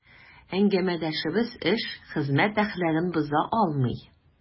Әңгәмәдәшебез эш, хезмәт әхлагын боза алмый.